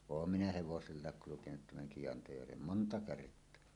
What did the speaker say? olen minä hevosellakin kulkenut tämän Kiantajärven monta kertaa